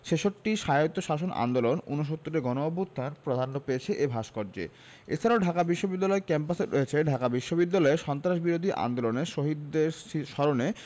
ছেষট্টির স্বায়ত্তশাসন আন্দোলন উনসত্তুরের গণঅভ্যুত্থান প্রাধান্য পেয়েছে এ ভাস্কর্যে এ ছাড়াও ঢাকা বিশ্ববিদ্যালয় ক্যাম্পাসে রয়েছে ঢাকা বিশ্ববিদ্যালয়ে সন্ত্রাসবিরোধী আন্দোলনে শহীদদের স্মরণে